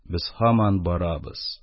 Без һаман барабыз.